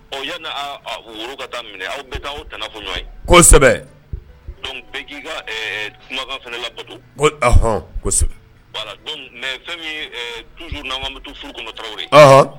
Ɔ yani aa woro ka taa minɛ, aw bɛ t'a tana fɔ ɲɔgɔn ye? kosɛbɛ donc bɛ k'i ka ɛ kumakan fana labato Ɔnhɔn, kosɛbɛ voilà donc mais fɛn min même toujours n'an k'an bɛ to furuko kɔnɔ, tarawele, ɔnhɔn.